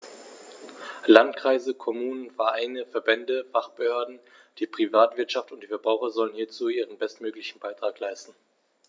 Landkreise, Kommunen, Vereine, Verbände, Fachbehörden, die Privatwirtschaft und die Verbraucher sollen hierzu ihren bestmöglichen Beitrag leisten.